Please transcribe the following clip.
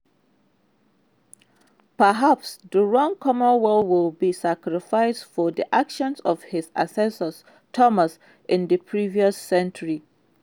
Perhaps the wrong Cromwell would be sacrificed for the actions of his ancestor Thomas in the previous century.